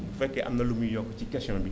bu fekkee am na lu muy yokk ci question bi